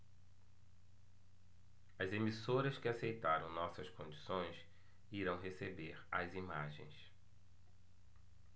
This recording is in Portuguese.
as emissoras que aceitaram nossas condições irão receber as imagens